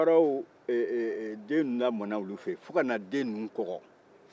waraw denninnu lamɔna olu fɛ yen fo kana den ninnu kɔgɔ